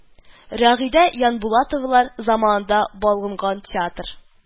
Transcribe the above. Рәгыйдә Янбулатовалар заманында балкыган театр